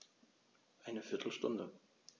Eine viertel Stunde